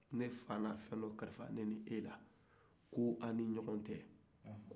ne fa ye fɛn do kalifa e ni ne la ko bɛ an ni ɲɔgɔcɛ